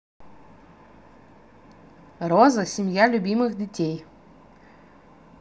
роза семья любимых детей